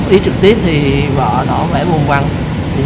ý trực tiếp thì vợ tỏ vẻ vùng vằng